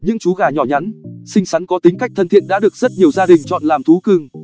những chú gà nhỏ nhắn xinh xắn có tính cách thân thiện đã được rất nhiều gia đình chọn làm thú cưng